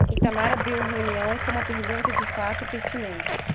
itamar abriu a reunião com uma pergunta de fato pertinente